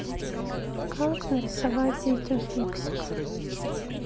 как нарисовать детям фиксиков